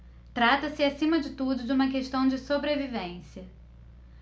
trata-se acima de tudo de uma questão de sobrevivência